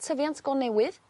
tyfiant go newydd